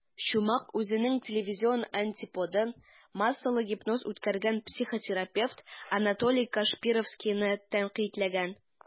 Чумак үзенең телевизион антиподын - массалы гипноз үткәргән психотерапевт Анатолий Кашпировскийны тәнкыйтьләгән.